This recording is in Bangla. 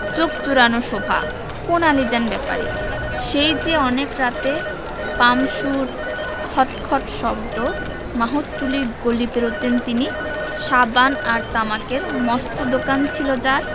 চোখ জুড়ানো শোভা কোন আলীজান ব্যাপারী সেই যে অনেক রাতে পাম্পসুর খট খট শব্দ মাহুতটুলির গলি পেরুতেন তিনি সাবান আর তামাকের মস্ত দোকান ছিল যার